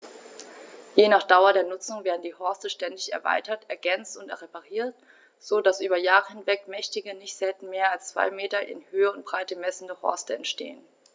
Je nach Dauer der Nutzung werden die Horste ständig erweitert, ergänzt und repariert, so dass über Jahre hinweg mächtige, nicht selten mehr als zwei Meter in Höhe und Breite messende Horste entstehen.